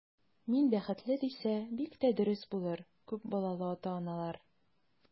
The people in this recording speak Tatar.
Мин бәхетле, дисә, бик тә дөрес булыр, күп балалы ата-аналар.